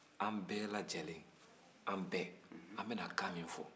an bɛɛ lajɛlen an bɛɛ an bɛ na kan min fɔ